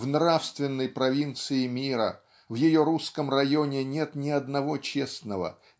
в нравственной провинции мира в ее русском районе нет ни одного честного